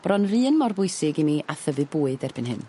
bron 'r un mor bwysig i mi a thyfu bwyd erbyn hyn.